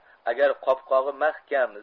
agar qopqog'i maxkam